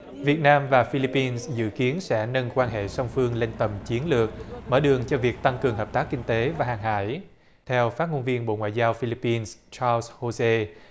việt nam và phi líp pin dự kiến sẽ nâng quan hệ song phương lên tầm chiến lược mở đường cho việc tăng cường hợp tác kinh tế và hàng hải theo phát ngôn viên bộ ngoại giao phi líp pin cho hô sê